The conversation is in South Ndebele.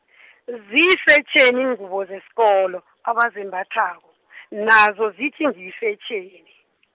ziyifetjheni iingubo zesikolo, abazembathako, nazo zithi ngiyifetjheni.